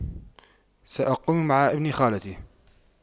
سأقيم مع ابن خالتي